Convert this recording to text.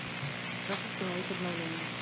как установить обновление